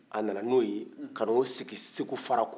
a nana n'o ye ka n'o sigi segu farakɔ